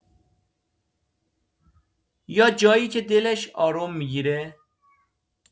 یا جایی که دلش آروم می‌گیره؟